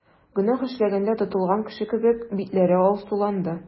Гөнаһ эшләгәндә тотылган кеше кебек, битләре алсуланды.